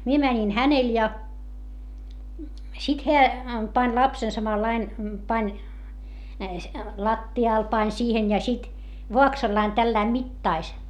minä menin hänelle ja sitten hän pani lapsen samalla lailla pani lattialle pani siihen ja sitten vaaksallaan tällä lailla mittasi